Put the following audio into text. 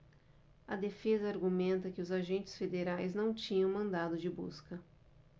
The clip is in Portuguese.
a defesa argumenta que os agentes federais não tinham mandado de busca